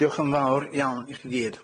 Diolch yn fawr iawn ichi gyd.